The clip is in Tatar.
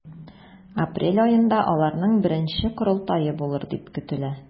Апрель аенда аларның беренче корылтае булыр дип көтелә.